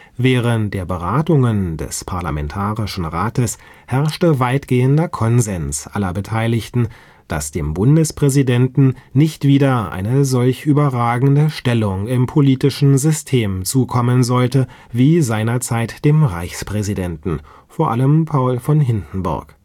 Während der Beratungen des Parlamentarischen Rates herrschte weitgehender Konsens aller Beteiligten, dass dem Präsidenten nicht wieder eine solch überragende Stellung im politischen System zukommen sollte wie seinerzeit dem Reichspräsidenten (v. a. Paul von Hindenburg